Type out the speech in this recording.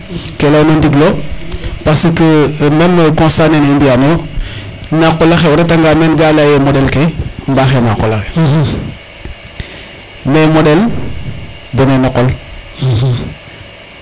ke leyona ndigilo parce que meme constat nene i mbiyan noyo na xa qola xe o reta nga men ka leya ye moɗel ke mbaxe naxa qola xe mais moɗel bone no qol